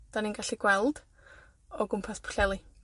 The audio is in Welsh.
'dan ni'n gallu gweld o gwmpas Pwllheli.